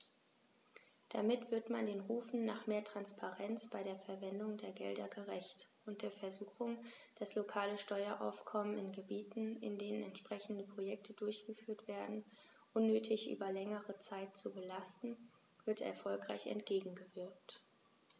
Damit wird man den Rufen nach mehr Transparenz bei der Verwendung der Gelder gerecht, und der Versuchung, das lokale Steueraufkommen in Gebieten, in denen entsprechende Projekte durchgeführt werden, unnötig über längere Zeit zu belasten, wird erfolgreich entgegengewirkt.